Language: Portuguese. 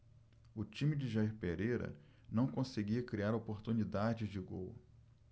o time de jair pereira não conseguia criar oportunidades de gol